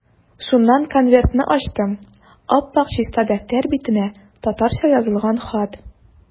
Шуннан конвертны ачтым, ап-ак чиста дәфтәр битенә татарча язылган хат.